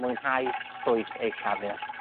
mwynhau ffrwyth eich llafur.